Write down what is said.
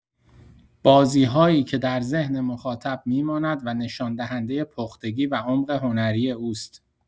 بازی‌هایی که در ذهن مخاطب می‌ماند و نشان‌دهنده پختگی و عمق هنری اوست.